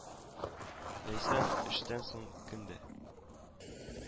Ләйсән эштән соң көн дә